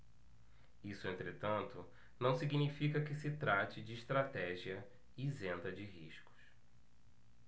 isso entretanto não significa que se trate de estratégia isenta de riscos